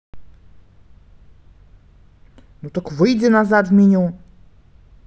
ну так выйди назад в меню